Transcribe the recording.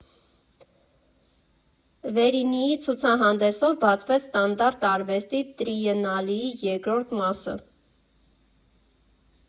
Վերինիի ցուցահանդեսով բացվեց «Ստանդարտ» արվեստի տրիենալեի երկրորդ մասը։